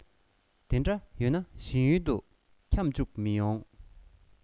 དེ འདྲ ཡོད ན གཞན ཡུལ དུ ཁྱམས བཅུག མི ཡོང